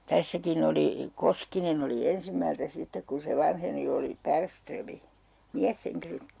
tässäkin oli Koskinen oli ensimmältä sitten kun se vanheni oli Bergström mieshenkilöt